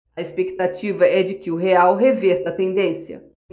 a expectativa é de que o real reverta a tendência